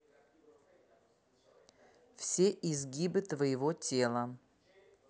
эти изгибы твоего тела